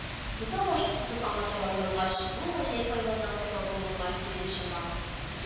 Бозау башын сузып аңа таба борылгач, бу гаҗәеп хайваннан куркып, болынга кире чаба